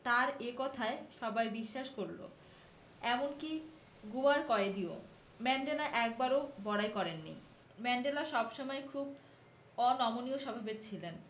তাঁর এ কথায় সবাই বিশ্বাস করল এমনকি গোঁয়ার কয়েদিও ম্যান্ডেলা একবারও বড়াই করেননি ম্যান্ডেলা সব সময় খুব অনমনীয় স্বভাবের ছিলেন